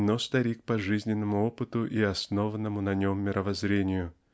но старик по жизненному опыту и основанному на нем мировоззрению